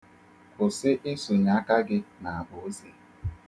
Kwụsị isụnye aka gị n'akpa ose.